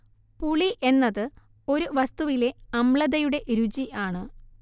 പുളി എന്നത് ഒരു വസ്തുവിലെ അമ്ളതയുടെ രുചി ആണ്